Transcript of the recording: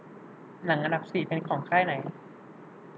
หนังอันดับสี่เป็นของค่ายไหน